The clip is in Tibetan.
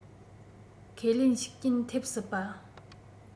ཁས ལེན ཤུགས རྐྱེན ཐེབས སྲིད པ